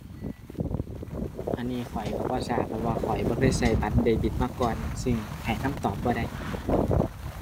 อันนี้ข้อยก็บ่ทราบ เพราะว่าข้อยบ่เคยก็บัตรเดบิตมาก่อน ซึ่งให้คำตอบบ่ได้